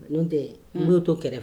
N tɛ n' tɛ kɛrɛfɛ